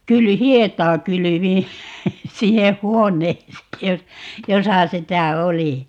- hietaa kylvin sinne huoneeseen - jossa sitä oli